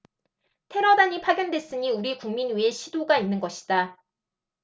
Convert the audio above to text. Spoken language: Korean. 테러단이 파견됐으니 우리국민 위해 시도가 있는 것이다